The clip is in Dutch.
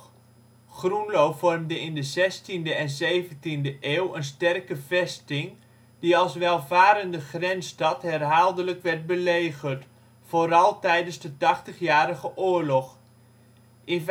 Groenlo vormde in de 16e en 17e eeuw een sterke vesting, die als welvarende grensstad herhaaldelijk werd belegerd, vooral tijdens de Tachtigjarige Oorlog. In